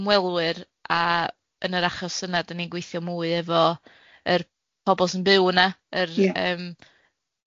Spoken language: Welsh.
ymwelwyr a yn yr achos yna dan ni'n gweithio mwy efo yr pobol sy'n byw yna, yr yym